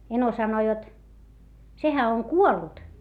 eno sanoi jotta sehän on kuollut